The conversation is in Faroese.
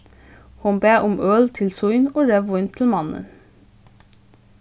hon bað um øl til sín og reyðvín til mannin